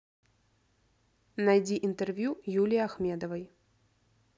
найди интервью юлии ахмедовой